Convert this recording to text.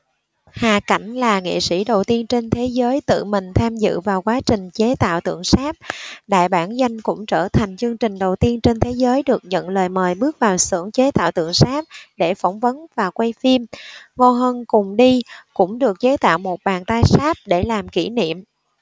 hà cảnh là nghệ sĩ đầu tiên trên thế giới tự mình tham dự vào quá trình chế tạo tượng sáp đại bản doanh cũng trở thành chương trình đầu tiên trên thế giới được nhận lời mời bước vào xưởng chế tạo tượng sáp để phỏng vấn và quay phim ngô hân cùng đi cũng được chế tạo một bàn tay bằng sáp để làm kỷ niệm